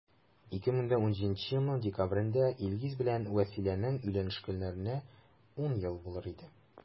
2017 елның декабрендә илгиз белән вәсиләнең өйләнешкәннәренә 10 ел булыр иде.